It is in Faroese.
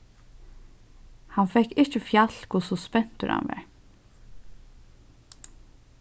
hann fekk ikki fjalt hvussu spentur hann var